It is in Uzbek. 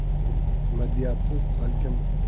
nima deyapsiz salkam o'n